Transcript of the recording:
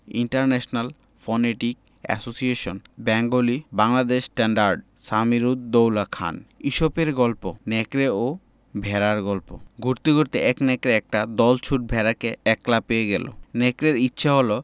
international Phonetic Association Bengali Bangladesh standard Samir ud Daula Khan ইসপের গল্প নেকড়ে ও ভেড়ার গল্প ঘুরতে ঘুরতে এক নেকড়ে একটা দলছুট ভেড়াকে একলা পেয়ে গেল নেকড়ের ইচ্ছে হল